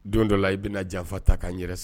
Don dɔ la i bɛna janfa ta k'aan yɛrɛ sisan